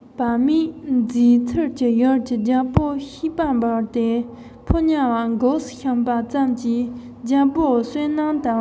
བག མེད མཛད ཚུལ གྱིས ཡུལ གྱི རྒྱལ པོ ཤེས པ འབར ཏེ ཕོ ཉ བ འགུགས སུ བཤམས པ ཙམ གྱིས རྒྱལ པོའི བསོད ནམས དང